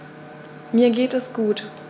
Mir geht es gut.